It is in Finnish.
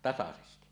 tasaisesti